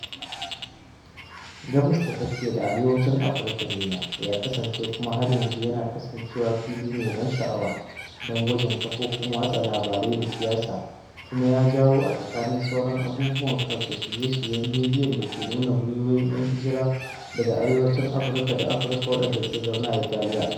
Yankin Gabas ta Tsakiya da Arewacin Afirka (MENA) ya kasance (kuma har yanzu yana kasancewa) fili mai ban sha’awa don gwajin kafofin watsa labarai da siyasa kuma ya jawo, a tsakanin sauran abubuwan kansu, shirye-shiryen bidiyo da ke nuna muryoyin ‘yan hijira daga Arewacin Afirka da Afirka waɗanda ke zaune a Italiya.